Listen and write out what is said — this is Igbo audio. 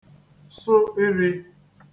sụ irī